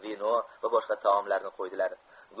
vino va boshqa taomlarni qo'ydilar